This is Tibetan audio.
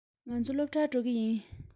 ང ཚོ སློབ གྲྭར འགྲོ གི ཡིན